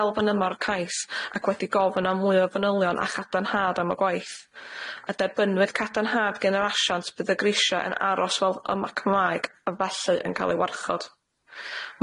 elfen yma o'r cais ac wedi gofyn am mwy o fanylion a chadarnhad am y gwaith, a derbynwyd cadarnhad gan yr asiant bydd y grisiau yn aros fel ymacmaeg a felly yn cael eu warchod.